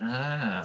A!